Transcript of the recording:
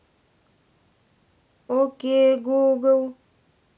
окей google